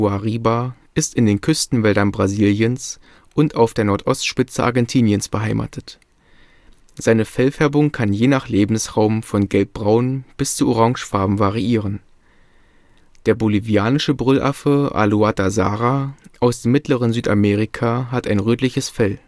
guariba) ist in den Küstenwäldern Brasiliens und der Nordostspitze Argentiniens beheimatet. Seine Fellfärbung kann je nach Lebensraum von gelbbraun bis zu orangefarben variieren. Der Bolivianische Brüllaffe (Alouatta sara) aus dem mittleren Südamerika hat ein rötliches Fell